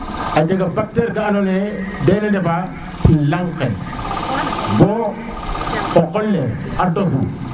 a jega bacteur ka andona ye dena ndefa laŋ ke bo o qol le a dos